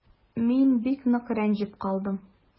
Мин бик нык рәнҗеп калдым.